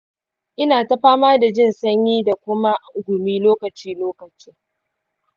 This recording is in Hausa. ina ta fama da jin sanyi da kuma gumi lokaci-lokaci.